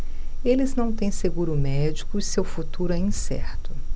eles não têm seguro médico e seu futuro é incerto